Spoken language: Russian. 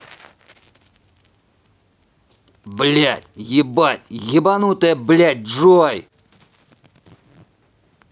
блять ебать ебанутая блядь джой